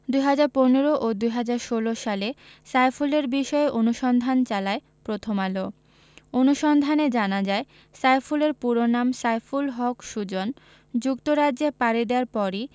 ২০১৫ ও ২০১৬ সালে সাইফুলের বিষয়ে অনুসন্ধান চালায় প্রথম আলো অনুসন্ধানে জানা যায় সাইফুলের পুরো নাম সাইফুল হক সুজন যুক্তরাজ্যে পাড়ি দেওয়ার পরই